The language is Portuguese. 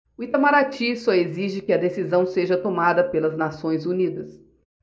o itamaraty só exige que a decisão seja tomada pelas nações unidas